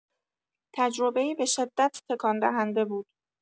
تجربه‌ای به‌شدت تکان‌دهنده بود.